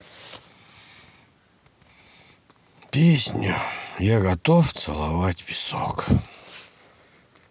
песню я готов целовать песок